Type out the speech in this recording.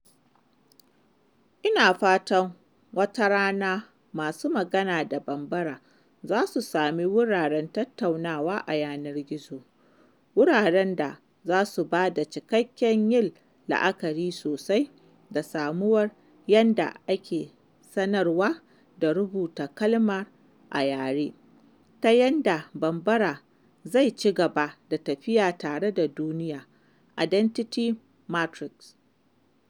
Ina fatan wata rana masu magana da Bambara za su sami wuraren tattaunawa a yanar gizo, wuraren da zasu bada cikakken yin la’akari sosai da samuwar yanda ake sanarwa da rubuta kalma a yare, ta yanda Bambara zai ci gaba da tafiya tare da duniya #identitymatrix